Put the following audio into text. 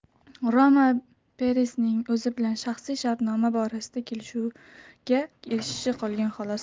roma peresning o'zi bilan shaxsiy shartnoma borasida kelishuvga erishishi qolgan xolos